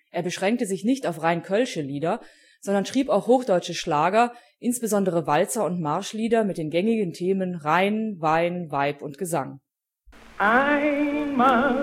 Er beschränkte sich nicht auf rein kölsche Lieder, sondern schrieb auch hochdeutsche Schlager, insbesondere Walzer - und Marschlieder mit den gängigen Themen „ Rhein “,„ Wein “,„ Weib “und „ Gesang “. Mehrere